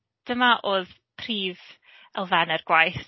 Dyma oedd prif elfennau'r gwaith.